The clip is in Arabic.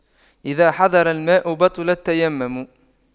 إذا حضر الماء بطل التيمم